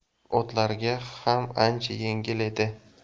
otlarga ham ancha yengil edi